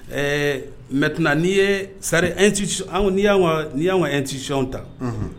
Ɛɛ mɛt n'i ye sari y' ka ntisiw ta